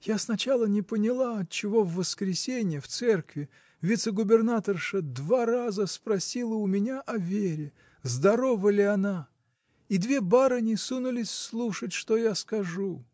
— Я сначала не поняла, отчего в воскресенье, в церкви, вице-губернаторша два раза спросила у меня о Вере — здорова ли она — и две барыни сунулись слушать, что я скажу.